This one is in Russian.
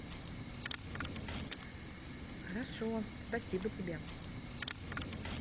хорошо спасибо тебе